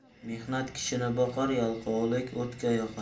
mehnat kishini boqar yalqovlik o'tga yoqar